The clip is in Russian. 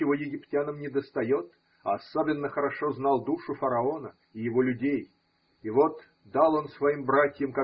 чего египтянам недостает, а особенно хорошо знал душу фараона и его людей. И вот дал он своим братьям.